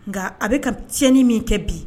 Nka a bɛka ka tiɲɛni min kɛ bi